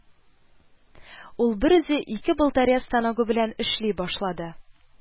Ул берүзе ике болторез станогы белән эшли башлады